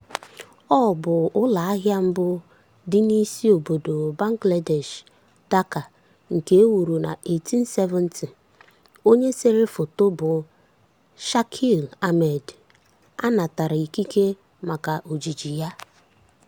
Ọ bụ ụlọ azụmahịa mbụ dị n'isi obodo Bangladesh, Dhaka, nke e wuru na 1870. Onye sere foto bụ Shakil Ahmed, a natara ikike maka ojiji ya.